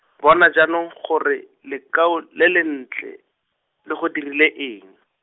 bona jaanong gore, lekau le lentle, le go dirile eng.